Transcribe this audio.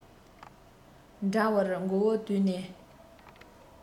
འདྲ བར མགོ བོ དུད ནས